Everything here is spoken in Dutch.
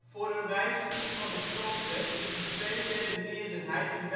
Voor een wijziging van de Grondwet is een tweederde meerderheid in